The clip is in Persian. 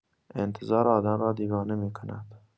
انتظار آدم را دیوانه می‌کند.